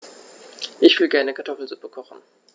Ich will gerne Kartoffelsuppe kochen.